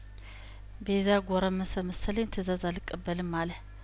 ቤዛ ጐረመሰ መሰለኝ ትእዛዝ አልቀበልም አለ